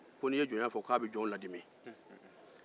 ko n'i ye jɔnya fɔ k'a bɛ jɔnw ladimi